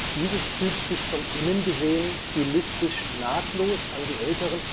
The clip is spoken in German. Dieses fügt sich von innen gesehen stilistisch nahtlos an die älteren